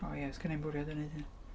O ia, sgenna i'm bwriad o wneud hynna.